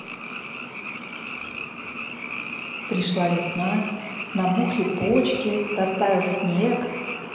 пришла весна набухли почки растаял снег